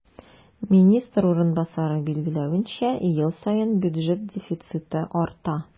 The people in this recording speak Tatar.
Министр урынбасары билгеләвенчә, ел саен бюджет дефициты арта.